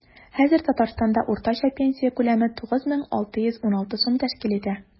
Хәзер Татарстанда уртача пенсия күләме 9616 сум тәшкил итә.